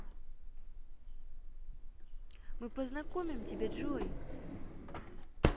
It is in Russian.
мы познакомим тебя джой